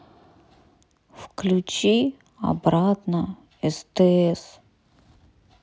включи обратно стс